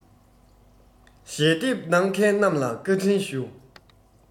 ཞལ འདེབས གནང མཁན རྣམས ལ བཀའ དྲིན ཞུ